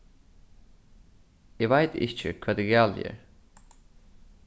eg veit ikki hvat er galið her